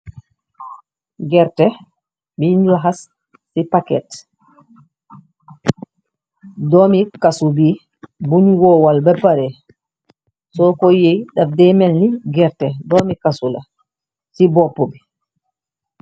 Gerteh biñu lahas ci paket. Doomi cashew bi buñ woowal ba pare, soo ko yiy daf deemelli gerte. Doomi cashew su la ci bopp bi.